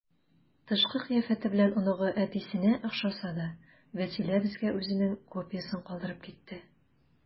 Тышкы кыяфәте белән оныгы әтисенә охшаса да, Вәсилә безгә үзенең копиясен калдырып китте.